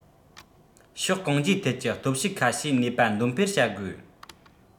ཕྱོགས གང ཅིའི ཐད ཀྱི སྟོབས ཤུགས ཁ ཤས ནུས པ འདོན སྤེལ བྱ དགོས